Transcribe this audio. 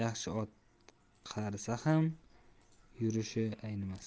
yaxshi ot qarisa ham yurishi aynimas